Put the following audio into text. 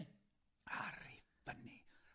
Ar 'u fyny.